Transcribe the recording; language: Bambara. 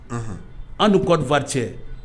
Un an dun kɔdiwari cɛ